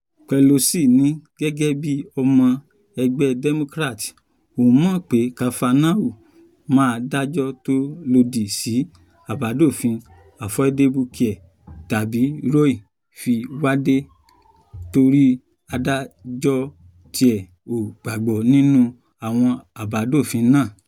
Pelosi ní gẹ́gẹ́ bí ọmọ ẹgbẹ́ Democrat òun mọ pé Kavanaugh máa dájọ́ tó lọdì sí Àbádòfin Affordable Care tabí Roe V. Wade torí adájọ tiẹ̀ ‘ò gbàgbọ́ nínú àwọn abádòfin náà.